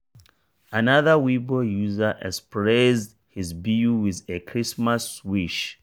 Another Weibo user expressed his view with a Christmas wish: